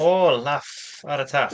O, Laff ar y Taff.